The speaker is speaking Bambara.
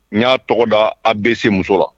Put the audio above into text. N' y'a tɔgɔ da a bɛ se muso la